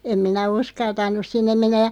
en minä uskaltanut sinne mennä ja